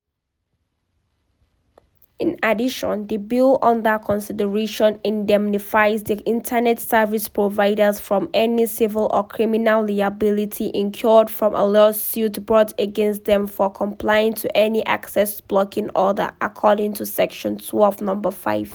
In addition, the bill under consideration indemnifies the internet service providers from any "civil or criminal liability" incurred from a lawsuit brought against them for "complying to any access blocking order", according to section 12, number 5.